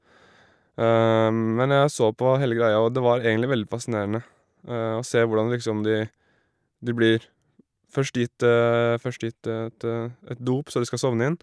Men jeg så på hele greia, og det var egentlig veldig fascinerende å se hvordan liksom de de blir først gitt først gitt et et dop så de skal sovne inn.